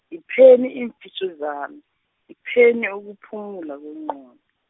ngipheni iimfiso zami, ngipheni ukuphumula kwenqondo.